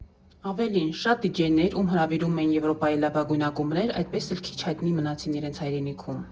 Ավելին, շատ դիջեյներ, ում հրավիրում էին Եվրոպայի լավագույն ակումբներ, այդպես էլ քիչ հայտնի մնացին իրենց հայրենիքում։